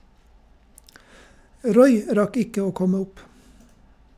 Roy rakk ikke å komme opp.